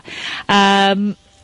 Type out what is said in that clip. Yym.